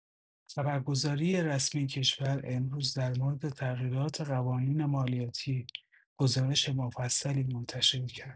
خبرگزاری رسمی کشور امروز در مورد تغییرات قوانین مالیاتی گزارش مفصلی منتشر کرد.